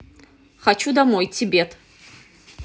хочу домой тибет